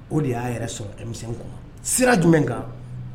O de y'a yɛrɛ sɔrɔmisɛn kɔnɔ sira jumɛn kan